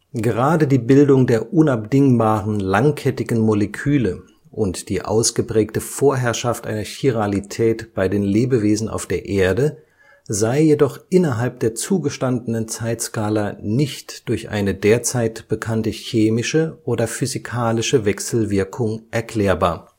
Gerade die Bildung der unabdingbaren langkettigen Moleküle und die ausgeprägte Vorherrschaft einer Chiralität bei den Lebewesen auf der Erde sei jedoch innerhalb der zugestandenen Zeitskala nicht durch eine derzeit bekannte chemische oder physikalische Wechselwirkung erklärbar